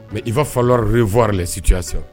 Mɛ i fa fa yɔrɔ fɔ la si cogoya sa